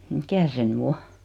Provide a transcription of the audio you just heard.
mikä se nyt on